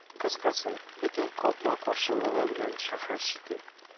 Кыскасы, бөтен капма-каршылыгы белән шәһәр чите